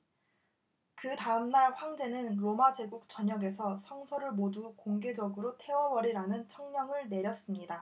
그다음 날 황제는 로마 제국 전역에서 성서를 모두 공개적으로 태워 버리라는 칙령을 내렸습니다